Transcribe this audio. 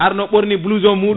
arno ɓorni blouson muɗum